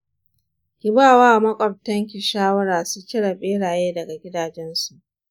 ki bawa makwabtanki shawara su cire beraye daga gidajensu.